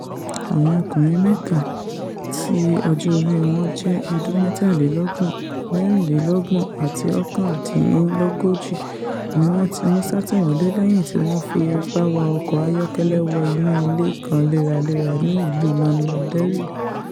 Àwọn ọkùnrin mẹ́ta, tí ọjọ́-orí wọn jẹ́ ọdún mẹ́tàlélọ́gbọ̀n, mẹ́rìnlélọ́gbọ̀n àti ọ̀kàndínlógójì ni wọn ti mú sátìmọ́lé lẹ́yìn tí wọ́n fi ipá wa ọkọ̀ ayọ́kẹ́lẹ́ wọ inú ilé kan léra-léra ní ìlú Lọndọndẹri.